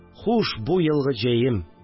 Хуш, бу елгы җәем